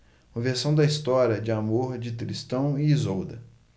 uma versão da história de amor de tristão e isolda